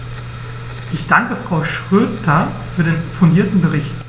Ich danke Frau Schroedter für den fundierten Bericht.